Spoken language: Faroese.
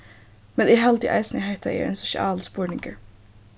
men eg haldi eisini at hetta er ein sosialur spurningur